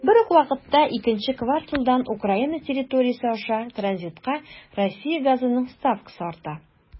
Бер үк вакытта икенче кварталдан Украина территориясе аша транзитка Россия газының ставкасы арта.